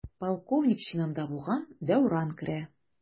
Полковник чинында булган Дәүран керә.